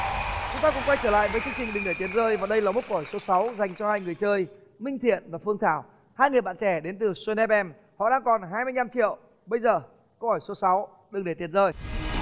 chúng ta cùng quay trở lại với chương trình đừng để tiền rơi và đây là mốc câu hỏi số sáu dành cho hai người chơi minh thiện và phương thảo hai người bạn trẻ đến từ xuân ép em họ đang còn hai mươi nhăm triệu bây giờ câu hỏi số sáu đừng để tiền rơi